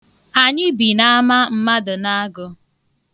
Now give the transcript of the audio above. Anyị bi n'ama Madụnaagụ.